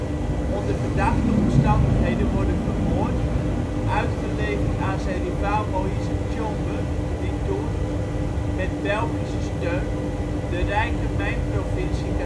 onder verdachte omstandigheden worden vermoord, uitgeleverd aan zijn rivaal Moïse Tsjombe die toen, met Belgische steun, de rijke mijnprovincie